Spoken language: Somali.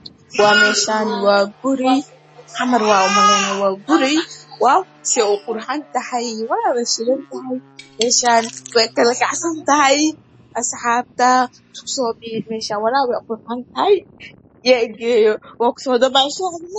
Meshan waa guri asxabey meshan kusoo yaca sey uqurxan tahy waa xamr umalayna yaa ii geeya